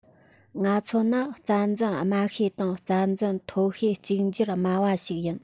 ང ཚོ ནི རྩ འཛིན དམའ ཤོས དང རྩ འཛིན མཐོ ཤོས གཅིག གྱུར སྨྲ བ ཞིག ཡིན